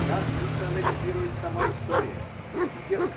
Нас национализирует сама история, и тех.